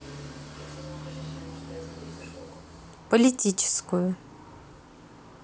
политическую